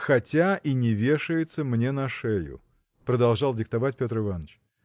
– Хотя и не вешается мне на шею, – продолжал диктовать Петр Иваныч.